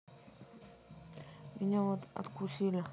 меня вот откусили